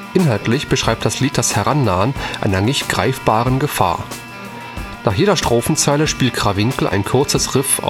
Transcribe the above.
Inhaltlich beschreibt das Lied das Herannahen einer nicht greifbaren Gefahr. Nach jeder Strophenzeile spielt Krawinkel ein kurzes Riff